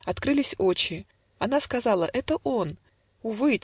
Открылись очи; Она сказала: это он! Увы!